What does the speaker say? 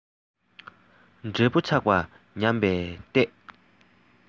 འབྲས བུ ཆགས པ ཉམས པའི ལྟས